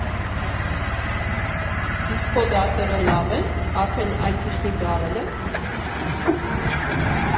Իսկ քո դասերը լավ ե՞ն, արդեն այթիշնիկ դառել ե՞ս։